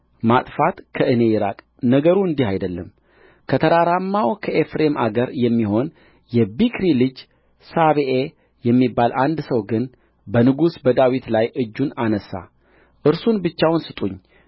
ማጥፋት ከእኔ ይራቅ ነገሩ እንዲህ አይደለም ከተራራማው ከኤፍሬም አገር የሚሆን የቢክሪ ልጅ ሳቤዔ የሚባል አንድ ሰው ግን በንጉሡ በዳዊት ላይ እጁን አነሣ እርሱን ብቻውን ስጡኝ